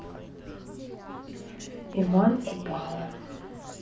иван купала